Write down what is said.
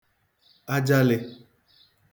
ajalị̄